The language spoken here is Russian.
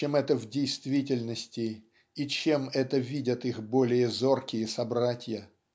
чем это в действительности и чем это видят их более зоркие собратья.